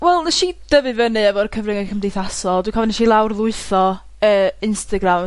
wel nesh i dyfu fyny efo'r cyfrynge cymdeithasol. Dw'n cofio nesh i lawr-lwytho yy Instagram